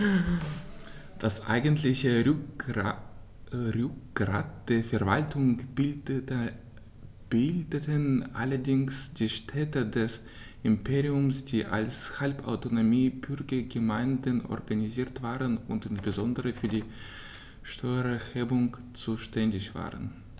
Das eigentliche Rückgrat der Verwaltung bildeten allerdings die Städte des Imperiums, die als halbautonome Bürgergemeinden organisiert waren und insbesondere für die Steuererhebung zuständig waren.